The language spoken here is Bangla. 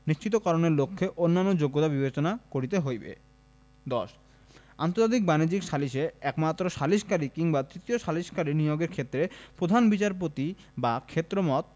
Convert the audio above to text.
নিশ্চিতকরণের লক্ষ্যে অন্যান্য যোগ্যতা বিবেচনা করিতে হইবে ১০ আন্তর্জাতিক বাণিজ্যিক সালিসে একমাত্র সালিসকারী কিংবা তৃতীয় সালিসকারী নিয়োগের ক্ষেত্রে প্রধান বিচারপতি বা ক্ষেত্রমত